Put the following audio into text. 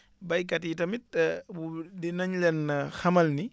béykat yi tamit dinañ leen xamal ni